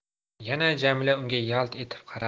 yana jamila unga yalt etib qaradi